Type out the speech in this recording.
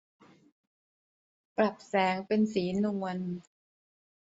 ปรับแสงเป็นสีนวล